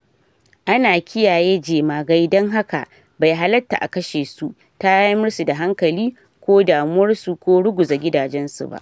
Ana kiyaye jemagai dan haka bai hallatta a kashe su, tayar masu da hankali ko damuwar su ko ruguza gidajen su ba.